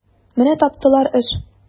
Менә таптылар эш!